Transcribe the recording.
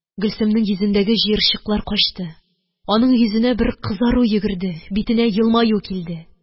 Гөлсемнең йөзендәге җыерчыклар качты, аның йөзенә бер кызару йөгерде, битенә елмаю килде.